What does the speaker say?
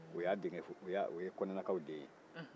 o y'a denkɛ fɔlɔ ye kɔnɛlakaw den ye